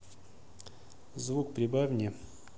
звук прибавь мне